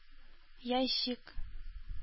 Ящик